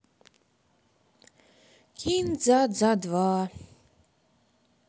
кин дза дза два